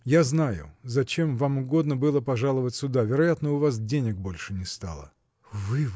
-- Я не знаю, зачем вам угодно было пожаловать сюда: вероятно, у вас денег больше не стало. -- Увы!